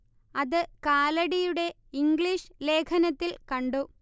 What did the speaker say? അത് കാലടിയുടെ ഇംഗ്ലീഷ് ലേഖനത്തിൽ കണ്ടു